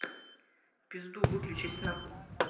пизду выключись нахуй